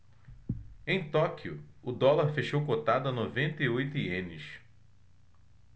em tóquio o dólar fechou cotado a noventa e oito ienes